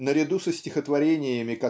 наряду со стихотворениями